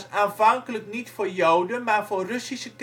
aanvankelijk niet voor Joden, maar voor Russische